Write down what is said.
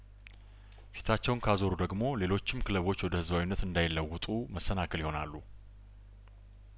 ፊታቸውን ካዞሩ ደግሞ ሌሎችም ክለቦች ወደ ህዝባዊነት እንዳይለውጡ መሰናክል ይሆናሉ